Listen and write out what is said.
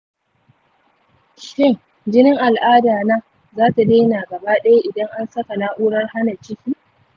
shin jinin al'ada na za ta daina gaba ɗaya idan an saka na’urar hana ciki ?